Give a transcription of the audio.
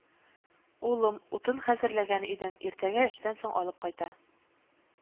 Улым, утын хәзерләгән идем, иртәгә эштән соң алып кайта